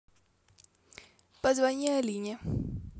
позвони алине